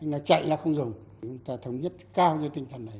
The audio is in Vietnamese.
khi nào chạy là không dùng chúng ta thống nhất cao như tinh thần này